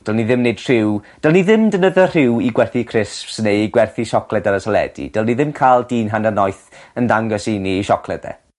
Dylen ni ddim neud rhyw... Dylen ni ddim defnyddio rhyw i gwerthu crisps neu i gwerthu siocled ar y teledu dylen ni ddim ca'l dyn haner noeth yn dangos i ni ei siocled e.